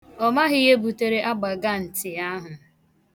Ọ maghị ihe butere agbaganti ahụ.